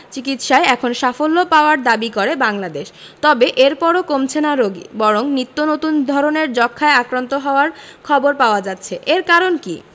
চিকিৎসায় এখন সাফল্য পাওয়ার দাবি করে বাংলাদেশ তবে এরপরও কমছে না রোগী বরং নিত্যনতুন ধরনের যক্ষ্মায় আক্রান্ত হওয়ার খবর পাওয়া যাচ্ছে এর কারণ কী